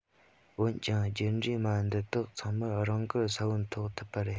འོན ཀྱང རྒྱུད འདྲེས མ འདི དག ཚང མར རང དགར ས བོན ཐོག ཐུབ པ ཡིན